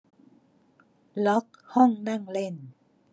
ล็อกห้องนั่งเล่น